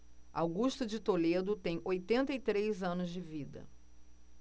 augusto de toledo tem oitenta e três anos de vida